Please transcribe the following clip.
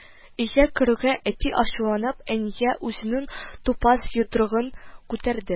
Өйгә керүгә, әти, ачуланып, әнигә үзенең тупас йодрыгын күтәрде